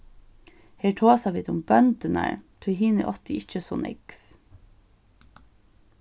her tosa vit um bøndurnar tí hini áttu ikki so nógv